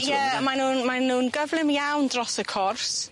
Ie mae nw'n mae nw'n gyflym iawn dros y cors.